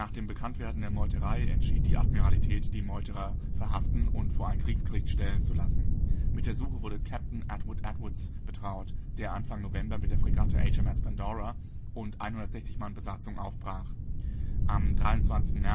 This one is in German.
dem Bekanntwerden der Meuterei entschied die Admiralität, die Meuterer verhaften und vor ein Kriegsgericht stellen zu lassen. Mit der Suche wurde Kapitän Edward Edwards betraut, der Anfang November mit der Fregatte HMS Pandora und 160 Mann Besatzung aufbrach. Am 23.